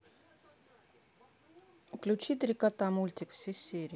включи три кота мультик все серии